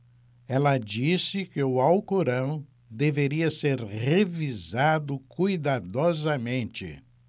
ela disse que o alcorão deveria ser revisado cuidadosamente